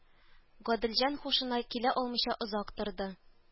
Гаделҗан һушына килә алмыйча озак торды